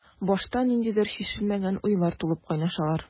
Башта ниндидер чишелмәгән уйлар тулып кайнашалар.